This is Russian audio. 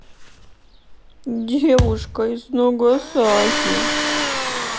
девушка из нагасаки